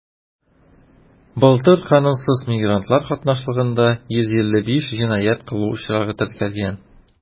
Былтыр канунсыз мигрантлар катнашлыгында 155 җинаять кылу очрагы теркәлгән.